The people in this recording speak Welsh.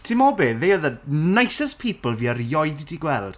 Timo be? Fe oedd y nicest people fi erioed 'di gweld